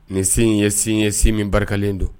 Nin sin in ye si ye si min barikalen don